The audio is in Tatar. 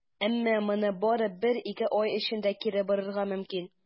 Әмма моны бары бер-ике ай эчендә кире борырга мөмкин.